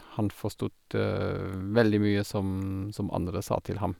Han forstod veldig mye som som andre sa til ham.